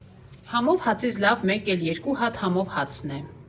Համով հացից լավ մեկ էլ երկու հատ համով հացն է։